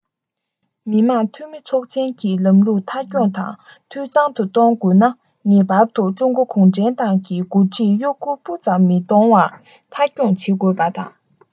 མི དམངས འཐུས མི ཚོགས ཆེན གྱི ལམ ལུགས མཐའ འཁྱོངས དང འཐུས ཚང དུ གཏོང དགོས ན ངེས པར དུ ཀྲུང གོ གུང ཁྲན ཏང གི འགོ ཁྲིད གཡོ འགུལ སྤུ ཙམ མི གཏོང བར མཐའ འཁྱོངས བྱེད དགོས པ དང